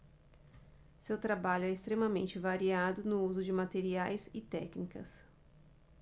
seu trabalho é extremamente variado no uso de materiais e técnicas